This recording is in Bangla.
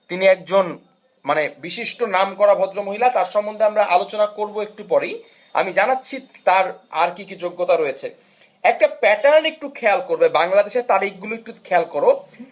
তিনি মানে একজন বিশিষ্ট নামকরা ভদ্রমহিলা তার সম্বন্ধে আমরা আলোচনা করব একটু পরেই আমি জানাচ্ছি তার আর কি কি যোগ্যতা রয়েছে একটা প্যাটার্ন একটু খেয়াল করবে বাংলাদেশ তারিখ গুলো একটু খেয়াল করো